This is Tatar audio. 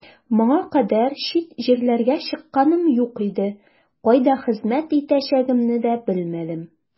Моңа кадәр чит җирләргә чыкканым юк иде, кайда хезмәт итәчәгемне дә белмәдем.